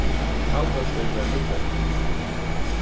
haldórsvík var nýggjársbygd